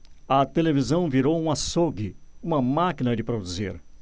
a televisão virou um açougue uma máquina de produzir